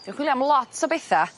dwi'n chwlio am lot o betha